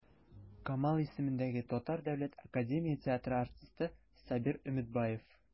Камал исемендәге Татар дәүләт академия театры артисты Сабир Өметбаев.